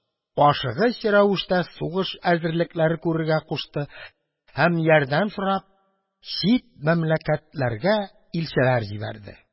Шыгыч рәвештә сугыш әзерлекләре күрергә кушты һәм, ярдәм сорап, чит мәмләкәтләргә илчеләр җибәрде.